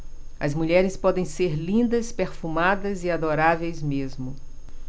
as mulheres podem ser lindas perfumadas e adoráveis mesmo